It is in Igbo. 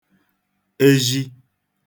ezhi